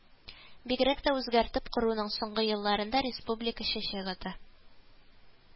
Бигрәк тә үзгәртеп коруның соңгы елларында республика чәчәк ата